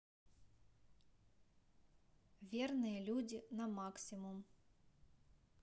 верные люди на максимум